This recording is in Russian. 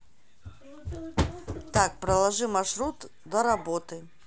так проложи маршрут до работы